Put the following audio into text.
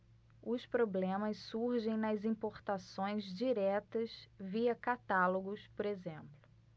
os problemas surgem nas importações diretas via catálogos por exemplo